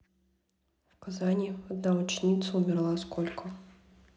а в казани одна ученица умерла сколько